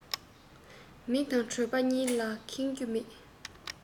མིག དང གྲོད པ གཉིས ལ ཁེངས རྒྱུ མེད